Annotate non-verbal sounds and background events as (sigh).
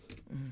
(noise) (hesitation)